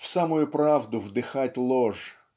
в самую правду вдыхать ложь